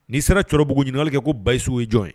N'i sera cɛrɔbugu ɲinikali kɛ ko Bayisu ye jɔn ye?